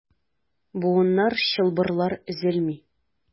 Буыннар, чылбырлар өзелми.